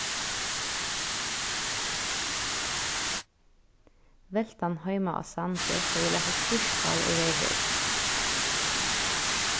veltan heima á sandi hevði latið spískkál og reyðrót